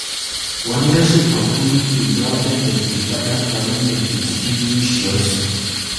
Wani rashin haƙuri ne na waɗanda ke faɗan abin da ke cikin zuciyarsu